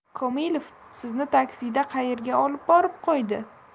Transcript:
komilov sizni taksida qaerga olib borib qo'ydi